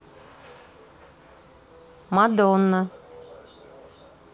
мадонна